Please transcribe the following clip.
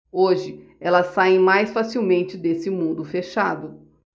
hoje elas saem mais facilmente desse mundo fechado